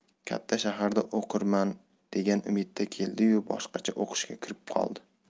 katta shaharga o'qirman degan umidda keldi yu boshqacha o'qish ga kirib qoldi